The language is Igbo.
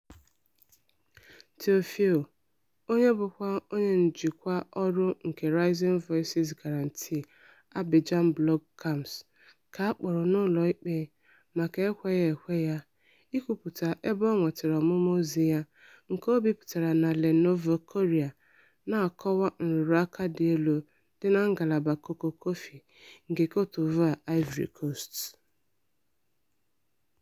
Théophile, onye bụkwa onye njikwa ọrụ nke Rising Voices grantee Abidjan Blọọgụ camps, ka a kpọrọ n'ụlọikpe maka ekweghị ekwe ya ịkwupụta ebe o nwetara ọmụma ozi ya nke o bipụtara na Le Nouveau Courrier na-akọwa nrụrụaka dị elu dị na ngalaba koko-kọfị nke Côte d'Ivoire (Ivory Coast).